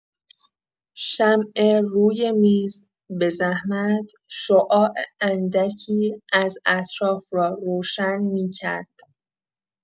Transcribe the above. شمع روی میز به‌زحمت شعاع اندکی از اطراف را روشن می‌کرد.